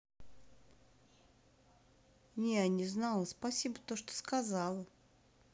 не а не знала спасибо то что сказала